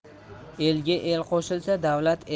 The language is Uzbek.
elga el qo'shilsa davlat